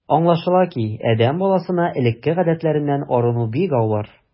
Аңлашыла ки, адәм баласына элекке гадәтләреннән арыну бик авыр.